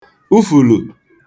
ufùlù